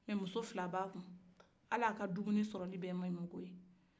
nka muso fila bɛ a kun hali a ka dumini sɔrɔli bɛ ye makaritɔ ko ye